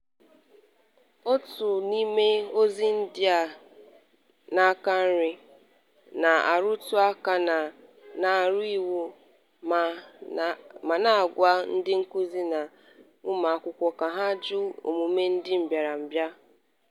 Otu n'ime ozi ndị a (n'aka nri) na-arụtụaka na- "Aro" iwu, ma na-agwa ndị nkuzi na ụmụakwụkwọ ka ha jụ emume ndị mbịarambịa.